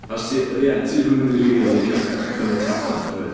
Os ti... ia, ti'm mynd i rili licio cymryd tablets, nag wyt.